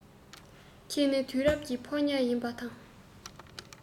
ཁྱེད ནི དུས རབས ཀྱི ཕོ ཉ ཡིན པ དང